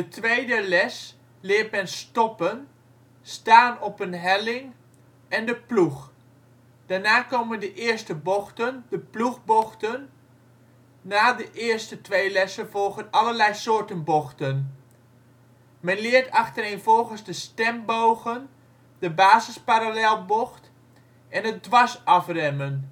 tweede les leert men stoppen, staan op een helling en de ploeg. Daarna komen de eerste bochten: de ploeg-bogen. Na de eerste twee lessen volgen allerlei soorten bochten. Men leert achtereenvolgens de stemm-bogen, de basis-parallelbocht en het dwars-afremmen